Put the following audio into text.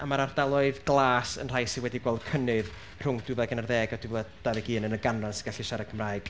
a ma'r ardaloedd glas yn rhai sy wedi gweld cynnydd rhwng dwy fil ac unarddeg a dwy fil a dau ddeg un yn y ganran sy'n gallu siarad Cymraeg.